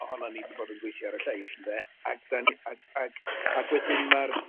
ohonon ni 'di bod yn gweithio ar y lleill ynde ag 'dan ni ag ag ag wedyn ma'r